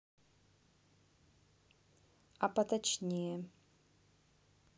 а поточнее